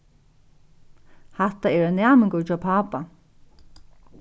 hatta er ein næmingur hjá pápa